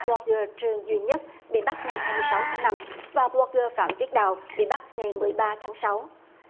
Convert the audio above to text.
bờ lốc gơ trương duy nhất bị bắt ngày hai mươi sáu tháng năm và bờ lốc gơ phạm viết đào bị bắt ngày mười ba tháng sáu